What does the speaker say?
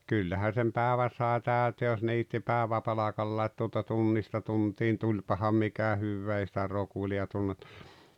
kyllähän sen päivän sai täyteen jos niitti päiväpalkalla että tuota tunnista tuntiin tulipahan mikä hyvään ei sitä rokulia tunnettu